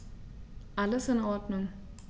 Alles in Ordnung.